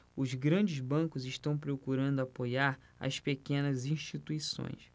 os grandes bancos estão procurando apoiar as pequenas instituições